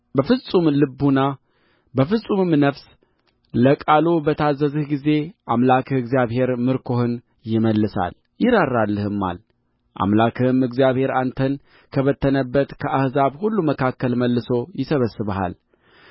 በፍጹም ልብና በፍጹም ነፍስ ለቃሉ በታዘዝህ ጊዜ አምላክህ እግዚአብሔር ምርኮህን ይመልሳል ይራራልህማል አምላክህም እግዚአብሔር አንተን ከበተነበት ከአሕዛብ ሁሉ መካከል መልሶ ይሰበስብሃል